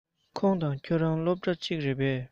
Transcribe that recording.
ཁོང དང ཁྱོད རང སློབ གྲྭ གཅིག རེད པས